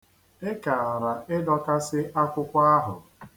Ị kaara ịdọkasị akwụkwọ ahụ.